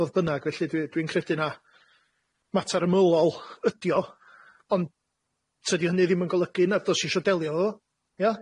Fodd bynnag, felly dwi dwi'n credu na mater ymylol ydi o, ond tydi hynny ddim yn golygu nad o's isio delio efo fo, ia?